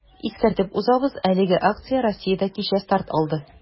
Искәртеп узабыз, әлеге акция Россиядә кичә старт алды.